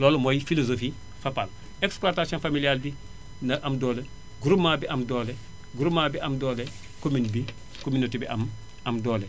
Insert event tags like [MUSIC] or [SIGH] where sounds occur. loolu mooy philosophie Fapal exploitation familiale bi na am doole groupement bi am doole groupement bi am doole [NOISE] commune bi [NOISE] communauté bi am am doole